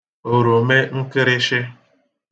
òròme nkịrịshị